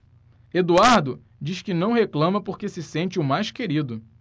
eduardo diz que não reclama porque se sente o mais querido